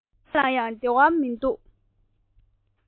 ལྟ མཁན ལ ཡང བདེ བ མི འདུག